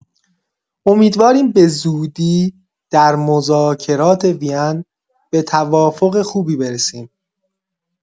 امیدواریم به‌زودی در مذاکرات وین به توافق خوبی برسیم.